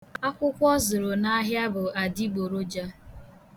Akwụkwọ ọ zụrụ n'ahịa bụ adịgbọrọja.